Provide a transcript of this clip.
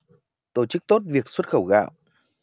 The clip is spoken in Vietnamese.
tổ chức tốt việc xuất khẩu gạo